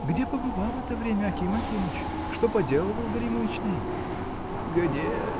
— Где побывал это время, Аким Акимыч, что поделывал, горемычный? — Где!